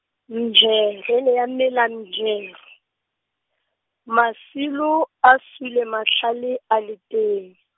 mhero e ne ya mela mhero, masilo a sule matlhale a le teng.